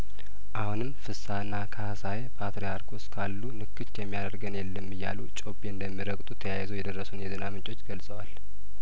አሁንም ፍስሀና ካህሳዬ ፓትርያርኩ እስካሉንክች የሚያደርገን የለም እያሉ ጮቤ እንደሚረግጡ ተያይዘው የደረሱን የዜና ምንጮች ገልጸዋል